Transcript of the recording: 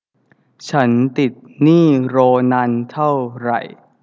ฉันติดหนี้โรนันเท่าไร